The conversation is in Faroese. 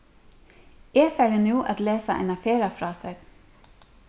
eg fari nú at lesa eina ferðafrásøgn